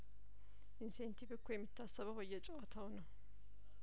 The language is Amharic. ኢንሴንቲቭ እኮየሚታሰበው በየጨዋታው ነው